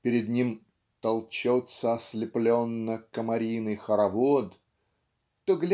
перед ним "толчется ослепленно комариный хоровод" то